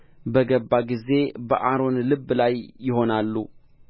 በገባ ጊዜ በአሮን ልብ ላይ ይሆናሉ